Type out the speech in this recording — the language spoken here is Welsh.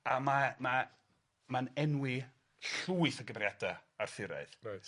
A ma; ma' ma'n enwi llwyth o gymeriada Arthuraidd. Reit.